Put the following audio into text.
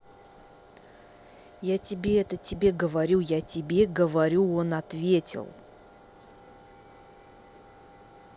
я тебе это тебе говорю я тебе говорю он ответил